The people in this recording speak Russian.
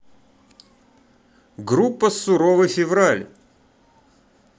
группа суровый февраль